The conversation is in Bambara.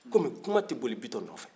komi kuma tɛ boli bitɔn nɔfɛ